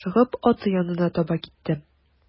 Ашыгып аты янына таба китте.